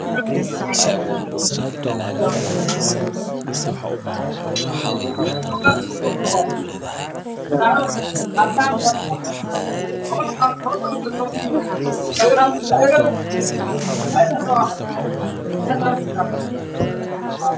Meeshaan waxaa ku yaalla guri sar ah wuxuu leeyahay ganjeel qaxwi ah guriga aada ayuu u qurux badan yahay ganjeelka ah qaxwi cadaan